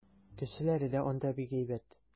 Кешеләре дә анда бик әйбәт.